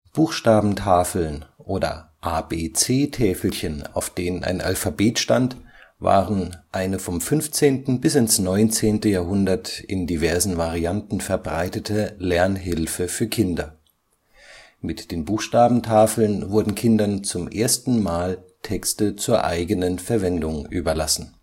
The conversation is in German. Buchstabentafeln oder ABC-Täfelchen, auf denen ein Alphabet stand, waren eine vom 15. bis ins 19. Jahrhundert in diversen Varianten verbreitete Lernhilfe für Kinder. Mit den Buchstabentafeln wurden Kindern zum ersten Mal Texte zur eigenen Verwendung überlassen